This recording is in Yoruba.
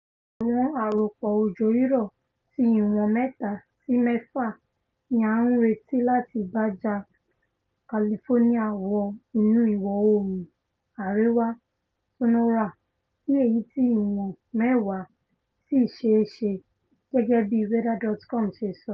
Àwọn àropọ òjò-rírọ̀ ti ìwọn 3 sí 6 ni à ń retí láti Baja California wọ inú ìwọ̀-oòrùn àríwá Sonora tí èyití ìwọ̀n 10 sì ṣeé ṣe. gẹ́gẹ́ bí weather.com ṣe sọ.